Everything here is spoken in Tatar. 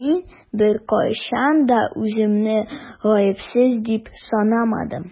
Мин беркайчан да үземне гаепсез дип санамадым.